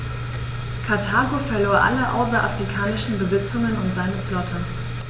Karthago verlor alle außerafrikanischen Besitzungen und seine Flotte.